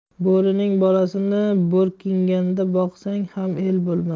bo'rining bolasini bo'rkingda boqsang ham el bo'lmas